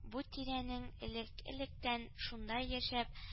Бу тирәнең, элек-электән шунда яшәп